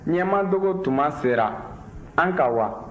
ɲɛmadogo tuma sera an ka wa